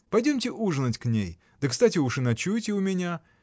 — Пойдемте ужинать к ней: да кстати уж и ночуйте у меня!